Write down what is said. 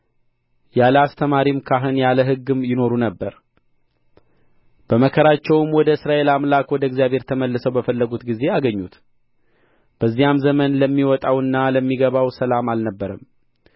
ያለ አስተማሪም ካህን ያለ ሕግም ይኖሩ ነበር በመከራቸውም ወደ እስራኤል አምላክ ወደ እግዚአብሔር ተመልሰው በፈለጉት ጊዜ አገኙት በዚያም ዘመን ለሚወጣውና ለሚገባው ሰላም አልነበረም